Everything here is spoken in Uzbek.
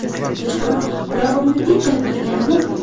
kechqurun qulog'imni ding qilib turgan edim